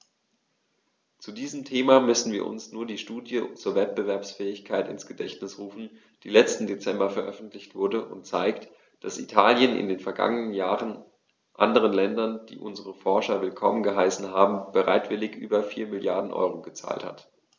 Zu diesem Thema müssen wir uns nur die Studie zur Wettbewerbsfähigkeit ins Gedächtnis rufen, die letzten Dezember veröffentlicht wurde und zeigt, dass Italien in den vergangenen Jahren anderen Ländern, die unsere Forscher willkommen geheißen haben, bereitwillig über 4 Mrd. EUR gezahlt hat.